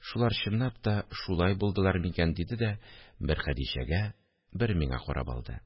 Шулар чынлап та шулай булдылар микән? – диде дә бер Хәдичәгә, бер миңа карап алды